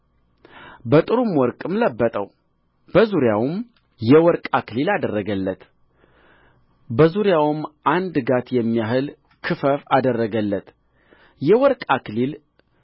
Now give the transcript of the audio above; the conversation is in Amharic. በጥሩም ወርቅ ለበጠው በዙሪያውም የወርቅ አክሊል አደረገለት በዙሪያውም አንድ ጋት የሚያህል ክፈፍ አደረገለት የወርቅም አክሊል